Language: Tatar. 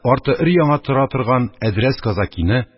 Арты өр-яңа тора торган әдрәс казакины,